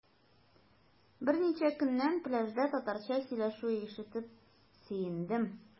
Берничә көннән пляжда татарча сөйләшү ишетеп сөендем.